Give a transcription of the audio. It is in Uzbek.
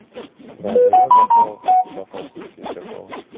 va'daga vafo vafosizga jafo